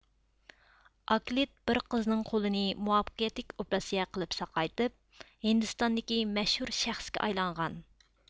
ئاكلىت بىر قىزنىڭ قولىنى مۇۋەپپەقىيەتلىك ئوپراتسىيە قىلىپ ساقايتىپ ھىندىستاندىكى مەشھۇر شەخسكە ئايلانغان